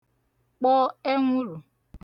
kpọ ẹnwụrụ̀